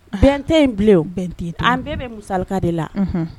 Bɛn tɛ yen bilen o; bɛn tɛ yen tugu; An bɛɛ bɛ musalaka de la